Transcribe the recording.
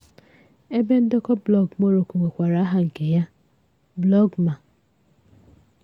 Ebe ndekọ blọọgụ Morocco nwekwara aha nke ya - Blogoma.